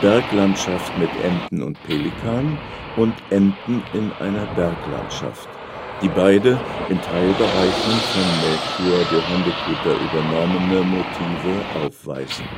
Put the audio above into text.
Berglandschaft mit Enten und Pelikan und Enten in einer Berglandschaft, die beide in Teilbereichen von Melchior de Hondecoeter übernommene Motive aufweisen